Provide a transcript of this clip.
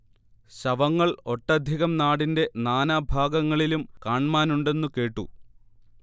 ശവങ്ങൾ ഒട്ടധികം നാടിന്റെ നാനാഭാഗങ്ങളിലും കാൺമാനുണ്ടെന്നു കേട്ടു